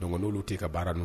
N'olu tɛe ka baara ninnu